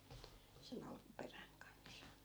sen alkuperän kanssa